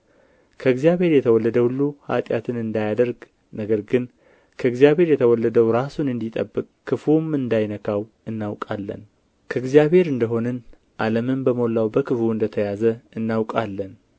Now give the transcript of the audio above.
ከእግዚአብሔር የተወለደ ሁሉ ኃጢአትን እንዳያደርግ ነገር ግን ከእግዚአብሔር የተወለደው ራሱን እንዲጠብቅ ክፉውም እንዳይነካው እናውቃለን ከእግዚአብሔር እንደ ሆንን ዓለምም በሞላው በክፉው እንደ ተያዘ እናውቃለን